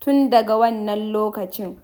tun daga wannan lokacin.